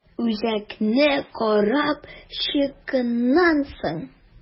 Үзәкне карап чыкканнан соң.